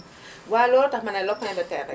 waaw looloo tax mane lopin de terre rek